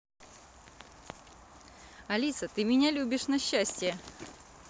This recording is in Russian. алиса ты меня любишь на счастье